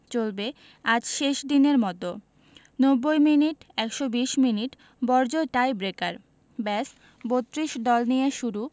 চলবে আজ শেষ দিনের মতো ৯০ মিনিট ১২০ মিনিট বড়জোর টাইব্রেকার ব্যস ৩২ দল নিয়ে শুরু